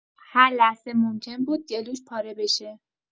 هر لحظه ممکن بود گلوش پاره بشه